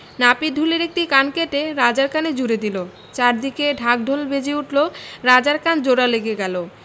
নাপিত ঢুলির একটি কান কেটে রাজার কানে জুড়ে দিল চারদিকে ঢাক ঢোল বেজে উঠল রাজার কান জোড়া লেগে গেল